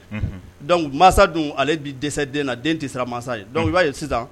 Dɔnku masa dun ale bi dɛsɛ den den tɛ sira masa ye dɔnku i b'a ye sisan